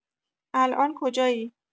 الان کجایی؟